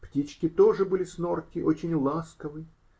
Птички тоже были с Норти очень ласковы.